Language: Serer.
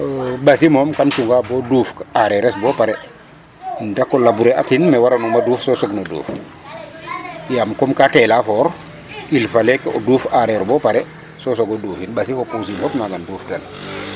Ɓasi moom kaam cunga bo duuf aareers bo pare um dak o labouré atin me waranuma duuf so soogin o duufa yaam comme ka teela foor il fallait que o duuf aareer bo pare so soog o duufin ɓasi fo pursiin fop nagam duuftan .